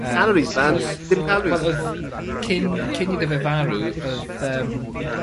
Yym... Calories man. ...achos... Ddim calories. ... wel odd cyn cyn iddo fe farw odd yym